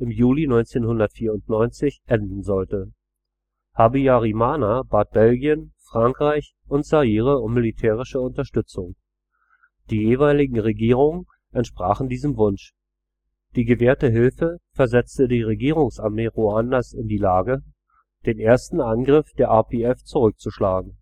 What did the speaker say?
Juli 1994 enden sollte. Habyarimana bat Belgien, Frankreich und Zaire um militärische Unterstützung. Die jeweiligen Regierungen entsprachen diesem Wunsch. Die gewährte Hilfe versetzte die Regierungsarmee Ruandas in die Lage, den ersten Angriff der RPF zurückzuschlagen